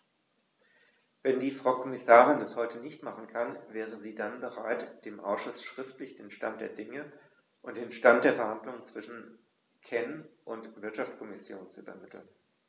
Wenn die Frau Kommissarin das heute nicht machen kann, wäre sie dann bereit, dem Ausschuss schriftlich den Stand der Dinge und den Stand der Verhandlungen zwischen CEN und Wirtschaftskommission zu übermitteln?